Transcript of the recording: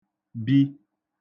bì